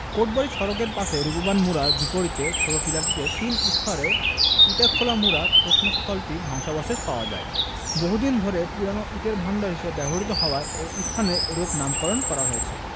কোটবাড়ি সড়কের পাশে রূপবান মুড়ার বিপরীতে ছোট টিলাটিতে তিন স্তরে ইটাখোলামুড়া প্রত্নস্থলটির ধ্বংসাবশেষ পাওয়া যায় বহুদিন ধরে পুরানো ইটের ভাণ্ডার হিসেবে ব্যবহৃতত হওয়ায় এ স্থানের এরূপ নামকরণ করা হয়েছে